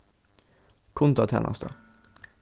kundatænasta